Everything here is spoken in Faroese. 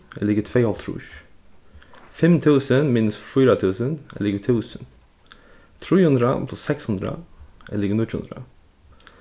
er ligvið tveyoghálvtrýss fimm túsund er ligvið túsund trý hundrað pluss seks hundrað er ligvið níggju hundrað